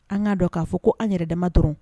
An k'a dɔn k'a fɔ ko an yɛrɛ damama dɔrɔn